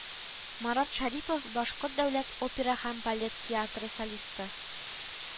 Марат Шәрипов Башкорт дәүләт опера һәм балет театры солисты